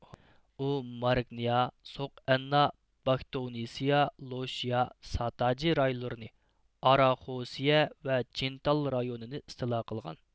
ئۇ مارگنيا سوق ئەننا باكتوۋنسىيا لوشيا ساتاجى رايونلىرىنى ئاراخوسيە ۋە جىنتال رايونىنى ئىستىلا قىلغان